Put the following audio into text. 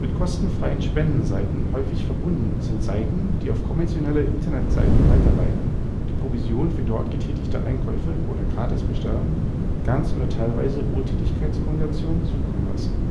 kostenfreien Spendenseiten häufig verbunden sind Seiten, die auf kommerzielle Internetseiten weiterleiten und die Provision für dort getätigte Einkäufe (oder Gratisbestellungen) ganz oder teilweise Wohltätigkeitsorganisationen zukommen lassen